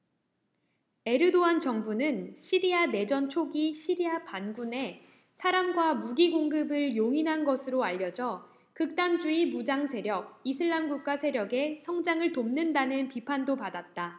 에르도안 정부는 시리아 내전 초기 시리아 반군에 사람과 무기 공급을 용인한 것으로 알려져 극단주의 무장세력 이슬람국가 세력의 성장을 돕는다는 비판도 받았다